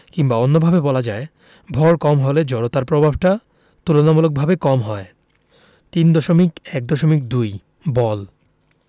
কিংবা অন্যভাবে বলা যায় ভর কম হলে জড়তার প্রভাবটা তুলনামূলকভাবে কম হয় ৩.১.২ বল